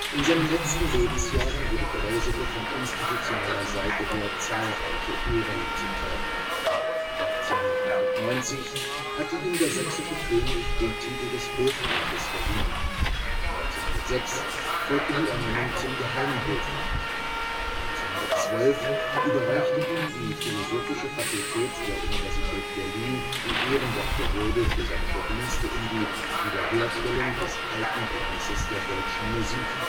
In seinen letzten Lebensjahren wurden Draeseke von institutioneller Seite her zahlreiche Ehrungen zuteil. 1898 hatte ihm der sächsische König den Titel des Hofrates verliehen, 1906 folgte die Ernennung zum Geheimen Hofrat. 1912 überreichte ihm die Philosophische Fakultät der Universität Berlin die Ehrendoktorwürde für seine Verdienste um die „ Wiederherstellung des alten Glanzes der deutschen Musik